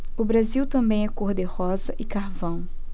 o brasil também é cor de rosa e carvão